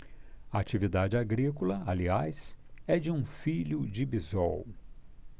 a atividade agrícola aliás é de um filho de bisol